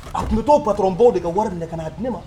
A tun bɛ to ba dɔrɔn n baw de ka wari min minɛ ka na a ne ma